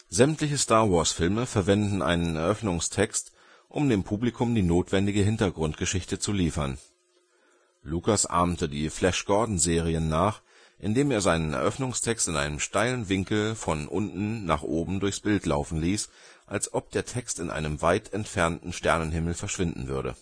Sämtliche Star-Wars-Filme verwenden einen Eröffnungstext, um dem Publikum die notwendige Hintergrundgeschichte zu liefern. Lucas ahmte die Flash Gordon Serien nach, indem er seinen Eröffnungstext in einem steilen Winkel von unten nach oben durchs Bild „ laufen “ließ, als ob der Text in einem weit entfernten Sternenhimmel verschwinden würde